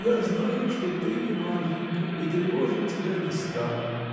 я знаю, что ты не Марфинька, и тревожить тебя не стану.